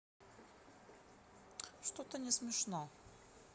что то не смешно